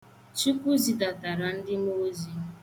Chukwu zidatara ndị mmuozi.